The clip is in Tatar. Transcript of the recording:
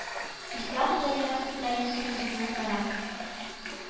Ислах дәрьясында йөзсен безнең кораб